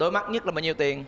đôi mắc nhất là bao nhiêu tiền